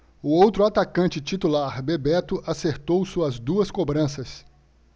o outro atacante titular bebeto acertou suas duas cobranças